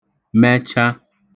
mẹcha